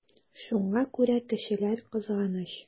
Шуңа күрә кешеләр кызганыч.